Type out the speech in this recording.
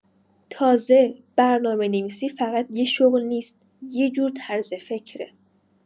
تازه، برنامه‌نویسی فقط یه شغل نیست؛ یه جور طرز فکره.